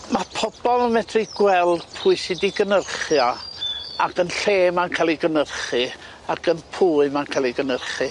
Ma' pobol yn medru gweld pwy sy 'di gynyrchi o ac yn lle ma'n ca'l 'i gynyrchu ac yn pwy ma'n ca'l ei gynyrchu.